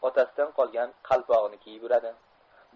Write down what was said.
otasidan qolgan qalpogini kiyib yuradi